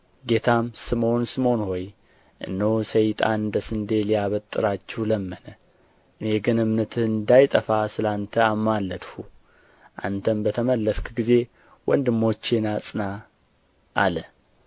ጌታም ስምዖን ስምዖን ሆይ እነሆ ሰይጣን እንደ ስንዴ ሊያበጥራችሁ ለመነ እኔ ግን እምነትህ እንዳይጠፋ ስለ አንተ አማለድሁ አንተም በተመለስህ ጊዜ ወንድሞችህን አጽና አለ